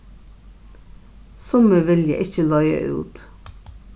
summi vilja ikki leiga út